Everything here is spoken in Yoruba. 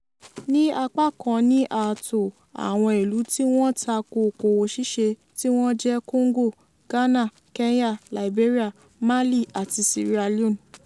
Ní apá kan ni ààtò àwọn ìlú tí wọ́n tako òkòwò ṣíṣe tí wọ́n jẹ́ Congo, Ghana, Kenya, Liberia, Mali àti Sierra Leone.